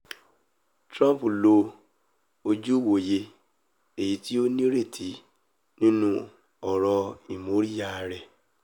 Trump lo ojú ìwòye èyití ó nírètí nínú ọ̀rọ̀ ìmóríyá rẹ̀.